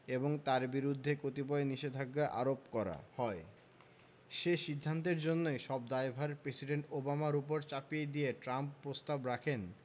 এবং তার বিরুদ্ধে কতিপয় নিষেধাজ্ঞা আরোপ করা হয় সে সিদ্ধান্তের জন্য সব দায়ভার প্রেসিডেন্ট ওবামার ওপর চাপিয়ে দিয়ে ট্রাম্প প্রস্তাব রাখেন